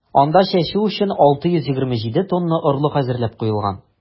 Анда чәчү өчен 627 тонна орлык әзерләп куелган.